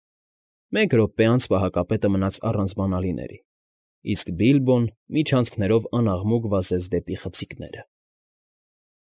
Մեկ րոպե անց պահակապետը մնաց առանց բանալիների, իսկ Բիլբոն միջանցքներով անաղմուկ վազեց դեպի խցիկները։